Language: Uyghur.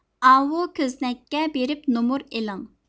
ئاۋۇ كۆزنەككە بېرىپ نومۇر ئېلىڭ